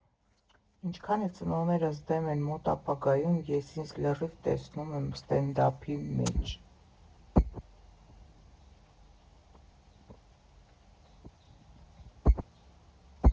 Ինչքան էլ ծնողներս դեմ են, մոտ ապագայում ես ինձ լիովին տեսնում եմ ստենդափի մեջ։